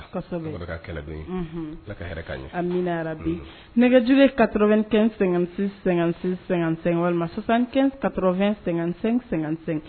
Bi nɛgɛj katoɛn- sɛgɛnsɛ walimasɛ